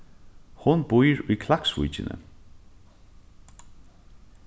hon býr í klaksvíkini